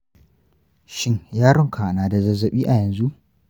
shin yaronka na da zazzaɓi a yanzu?